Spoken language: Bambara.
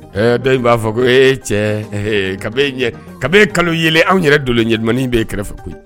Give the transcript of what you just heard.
Ɛɛ dɔ in b'a fɔ ko e cɛɛ ehe ka kab'e ɲɛ kab'e kalo yelen anw yɛrɛ doolo ɲɛdumanin b'e kɛrɛfɛ koyi